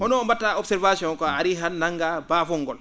honoo mba?ataa observation ko a arii han nanngaa baafol ngol